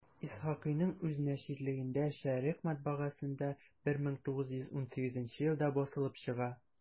Исхакыйның үз наширлегендә «Шәрекъ» матбагасында 1918 елда басылып чыга.